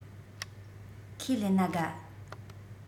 ཁས ལེན ན དགའ